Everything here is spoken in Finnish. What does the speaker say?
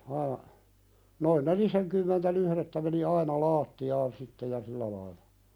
aa noin nelisenkymmentä lyhdettä meni aina lattiaan sitten ja sillä lailla